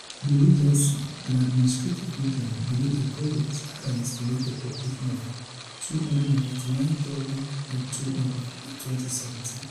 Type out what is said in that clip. The regency, an administrative region below a province, had an estimated population of 299,200 in 2017.